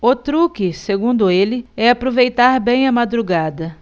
o truque segundo ele é aproveitar bem a madrugada